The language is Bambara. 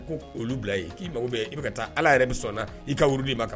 Ko kulu bila yen . Ki mago bɛ i bi ka taa Ala yɛrɛ min sɔn i ka wuurudi ma